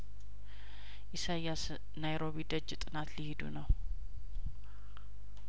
ኢሳይያስ ናይሮቢ ደጅ ጥናት ሊሄዱ ነው